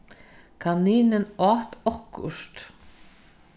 kaninin át okkurt